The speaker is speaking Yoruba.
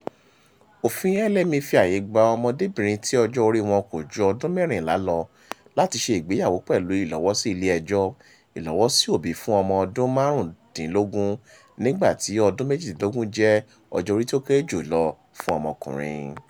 Òfin LMA fi àyè gba ọmọdébìnrin tí ọjọ́ oríi wọn kò ju ọdún mẹ́rìnlá lọ láti ṣe ìgbéyàwó pẹ̀lú ìlọ́wọ́sí ilé-ẹjọ́, ìlọ́wọ́sí òbí fún ọmọ ọdún márùn-ún-dínlógún, nígbà tí ọdún méjìdínlógún jẹ́ ọjọ́ orí tí ó kéré jù lọ fún ọmọkùnrin.